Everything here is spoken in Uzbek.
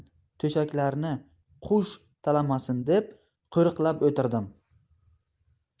turshaklarni qush talamasin deb qo'riqlab o'tirdim